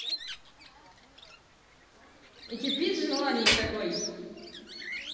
и кипит желаний такой